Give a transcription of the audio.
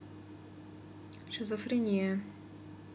шизофрения